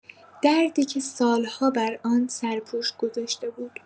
دردی که سال‌ها بر آن سرپوش گذاشته بود.